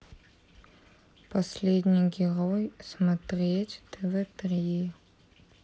последний герой смотреть тв три